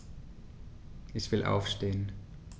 Ich will aufstehen.